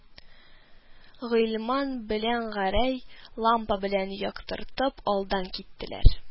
Гыйльман белән Гәрәй, лампа белән яктыртып, алдан киттеләр